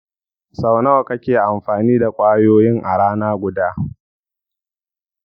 sau nawa kake amfani da ƙwayoyin a rana guda?